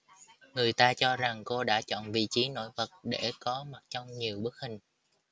người ta cho rằng cô đã chọn vị trí nổi bật để có mặt trong nhiều bức hình